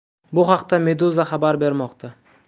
bu haqda meduza xabar bermoqda